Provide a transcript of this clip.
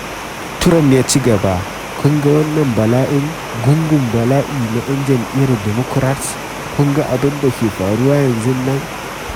Trump ya ci gaba, “Kun ga wannan bala’in, gungun bala’i na ‘yan jam’iyyar Democrats, kun ga abin da ke faruwa yanzun nan.